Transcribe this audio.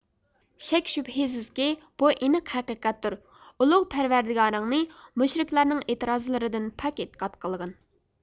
شەك شۈبھىسىزكى بۇ ئېنىق ھەقىقەتتۇر ئۇلۇغ پەرۋەردىگارىڭنى مۇشرىكلارنىڭ ئېتىرازلىرىدىن پاك ئېتىقاد قىلغىن